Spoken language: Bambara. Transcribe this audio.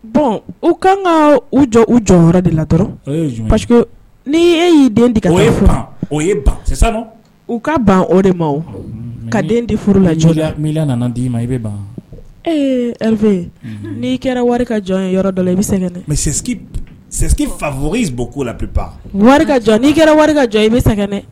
Bɔn u ka kan ka u jɔ u jɔ de la dɔrɔn ni e y'i den o o u ka ban o de ma ka den di furu la' nana d'i ma i bɛ ban n'i kɛra wari ka jɔn ye yɔrɔ dɔ la i bɛ sɛgɛn ne mɛ fa fo bɔ ko la bɛ ban wari ka'i kɛra wari ka jɔn i bɛ sɛgɛn ne